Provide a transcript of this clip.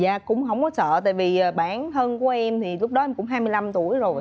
dạ cũng không có sợ tại vì bản thân của em thì lúc đó em cũng hai mươi lăm tuổi rồi